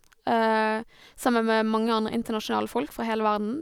Sammen med mange andre internasjonale folk fra hele verden.